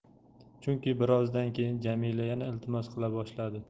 chunki birozdan keyin jamila yana iltimos qila boshladi